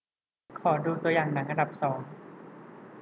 ขอดูตัวอย่างหนังอันดับสอง